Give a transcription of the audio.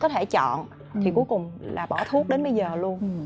có thể chọn thì cuối cùng là bỏ thuốc đến bây giờ luôn